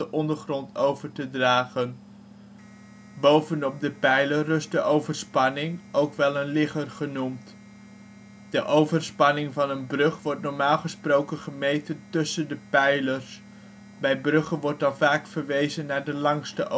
ondergrond over te dragen. Bovenop de pijler rust de overspanning, ook wel een ligger (of liggers) genoemd. De overspanning van een brug wordt normaal gesproken gemeten tussen de pijlers, bij bruggen wordt dan vaak verwezen naar de langste